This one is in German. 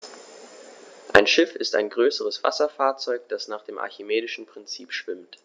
Ein Schiff ist ein größeres Wasserfahrzeug, das nach dem archimedischen Prinzip schwimmt.